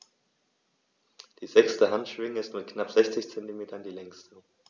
Die sechste Handschwinge ist mit knapp 60 cm die längste.